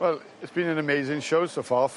Well it's been an amazing show so far.